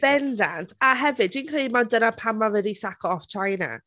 Bendant! A hefyd, dwi'n credu ma' dyna pam mae fe 'di saco off Chyna...